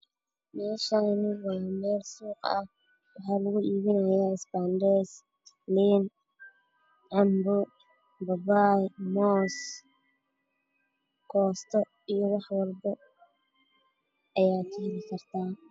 Meeshaan waa meel suuq ah waxaa lugu iibinaaya ismaadheys, liin, cambe, babaay, moos iyo koosto.